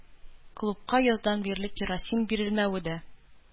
Клубка яздан бирле керосин бирелмәве дә,